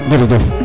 jerejef